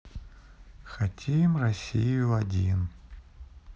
хотим россию один